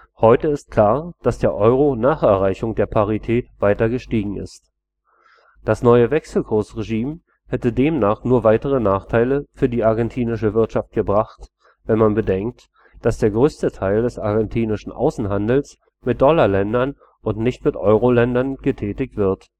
Heute ist klar, dass der Euro nach Erreichung der Parität weiter gestiegen ist. Das neue Wechselkursregime hätte demnach nur weitere Nachteile für die argentinische Wirtschaft gebracht, wenn man bedenkt, dass der größte Teil des argentinischen Außenhandels mit Dollar-Ländern und nicht mit Euro-Ländern getätigt wird